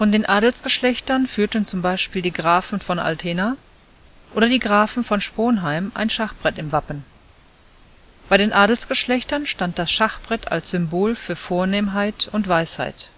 den Adelsgeschlechtern führten z.B. die Grafen von Altena oder die Grafen von Sponheim ein Schachbrett im Wappen. Bei den Adelsgeschlechtern stand das Schachbrett als Symbol für Vornehmheit und Weisheit